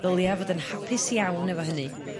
ddylia fod yn hapus iawn efo hynny.